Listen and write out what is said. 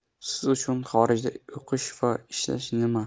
siz uchun xorijda o'qish va ishlash nima